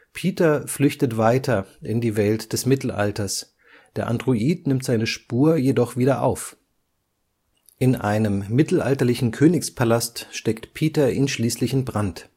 Peter flüchtet weiter in die Welt des Mittelalters, der Android nimmt seine Spur jedoch wieder auf. In einem mittelalterlichen Königspalast steckt Peter ihn schließlich in Brand